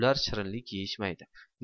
ula shirinlik yeyishmaydi